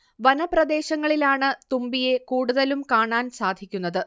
വനപ്രദേശങ്ങളിലാണ് തുമ്പിയെ കൂടുതലും കാണാൻ സാധിക്കുന്നത്